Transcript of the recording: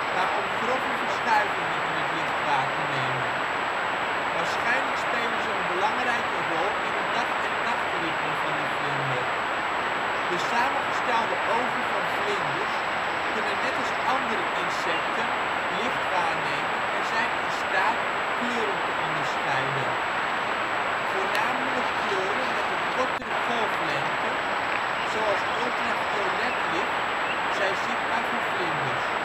maar om grove verschuivingen in het licht waar te nemen. Waarschijnlijk spelen ze een belangrijke rol in het dag - en nachtritme van de vlinder. De samengestelde ogen van vlinders kunnen net als andere insecten licht waarnemen en zijn in staat om kleuren te onderscheiden. Voornamelijk kleuren met een kortere golflengte zoals ultraviolet licht zijn zichtbaar voor vlinders